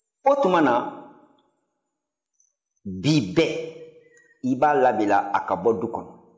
o tuma na bi bɛɛ i b'a labila a ka bɔ du kɔnɔ